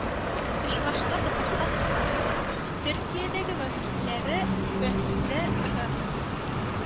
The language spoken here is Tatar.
Очрашуда Татарстан Республикасының Төркиядәге вәкаләтле вәкиле Рэ